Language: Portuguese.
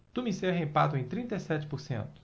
tuma e serra empatam em trinta e sete por cento